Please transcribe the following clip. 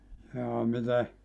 jaa miten